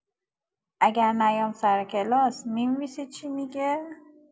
اگر نیام سر کلاس می‌نویسی چی می‌گه؟